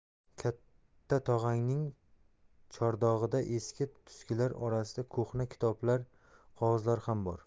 katta tog'angning chordog'ida eski tuskilar orasida ko'hna kitoblar qog'ozlar ham bor